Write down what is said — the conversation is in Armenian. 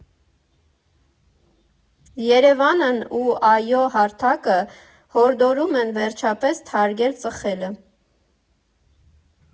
ԵՐԵՎԱՆն ու ԱՅՈ հարթակը հորդորում են վերջապես թարգել ծխելը։